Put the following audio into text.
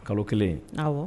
Kalo kelen